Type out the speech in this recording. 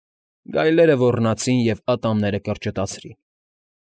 Գայլերը ոռնացին և ատամները կրճտացրին։